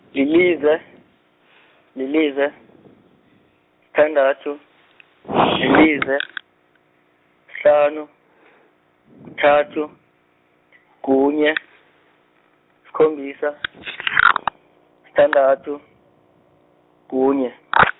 lilize, lilize, sithandathu, lilize, kuhlanu, kuthathu, kunye , sikhombisa, sithandathu, kunye .